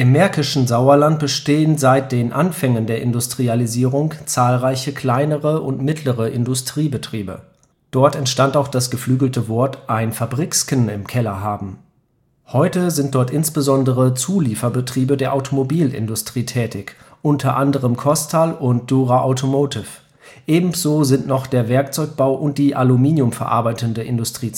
märkischen Sauerland bestehen seit den Anfängen der Industrialisierung zahlreiche kleinere und mittlere Industriebetriebe. (Dort entstand auch das geflügelte Wort „ ein Fabriksken im Keller haben “.) Heute sind dort insbesondere Zulieferbetriebe der Automobilindustrie (unter anderem Kostal, Dura automotive) tätig. Ebenso sind noch der Werkzeugbau und die Aluminium verarbeitende Industrie